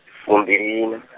fumbiliiṋa .